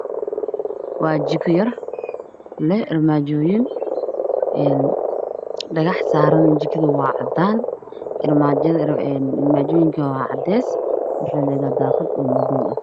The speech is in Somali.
Halkaan waxaa ka muuqdo armaajo daaqado badan hoos kaleh gurigana waxa uu leeyahay daaqad dhalo ah